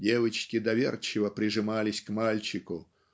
девочки доверчиво прижимались к мальчику